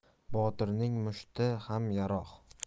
botirning mushti ham yarog'